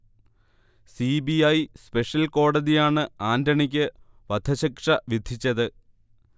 C. B. I special കോടതിയാണ് ആന്റണിക്ക് വധശിക്ഷ വിധിച്ചത്